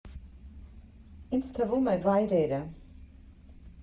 Ինձ թվում է՝ վայրերը։